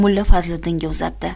mulla fazliddinga uzatdi